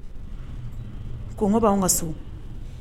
Kɔngɔ b'an ka so